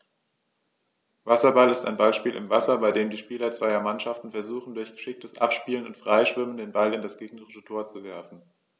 Wasserball ist ein Ballspiel im Wasser, bei dem die Spieler zweier Mannschaften versuchen, durch geschicktes Abspielen und Freischwimmen den Ball in das gegnerische Tor zu werfen.